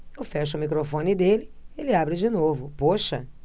eu fecho o microfone dele ele abre de novo poxa